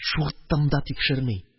Чуртым да тикшерми.